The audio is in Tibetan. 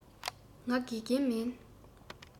ང དགེ རྒན མིན